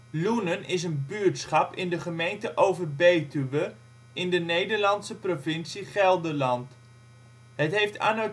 Loenen is een buurtschap in de gemeente Overbetuwe in de Nederlandse provincie Gelderland. Het heeft anno